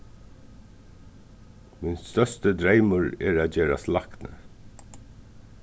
mín størsti dreymur er at gerast lækni